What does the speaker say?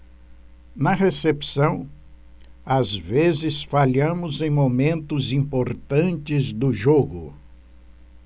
na recepção às vezes falhamos em momentos importantes do jogo